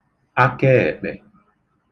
akaèkpè